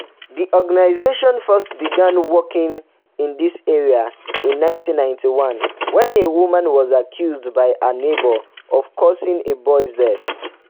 The organisation first began working in this area in 1991 when a woman was accused by her neighbour of causing a boy’s death.